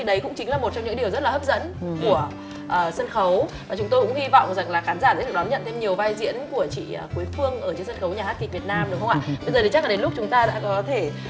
đấy cũng chính là một trong những điều rất là hấp dẫn của à sân khấu và chúng tôi cũng hy vọng rằng là khán giả sẽ được đón nhận thêm nhiều vai diễn của chị à quế phương ở trên sân khấu nhà hát kịch việt nam đúng không ạ bây giờ thì chắc là đến lúc chúng ta đã có thể